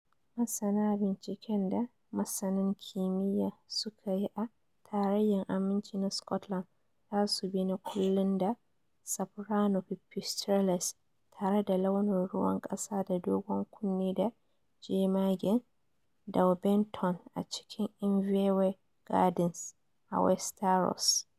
Masana binciken da masanan kimiyya suka yi a Tarrayan Aminci na Scotland za su bi na kullun da soprano pipistrelles tare da launin ruwan kasa da dogon-kunne da jamagen Daubenton a cikin Inverewe Gardens a Wester Ross.